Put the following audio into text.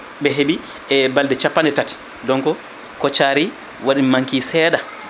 ɓe heeɓi e balɗe capanɗe tati donc koccari waɗi mankki seeɗa